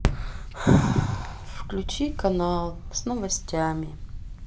включи канал с новостями